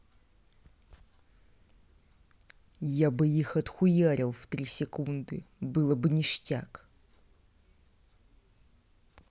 я бы их отхуярил в три секунды было бы ништяк